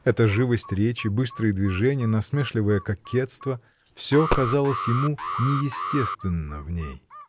Эта живость речи, быстрые движения, насмешливое кокетство — всё казалось ему неестественно в ней.